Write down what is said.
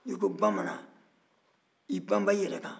n'i ko bamanan i bama i yɛrɛ kan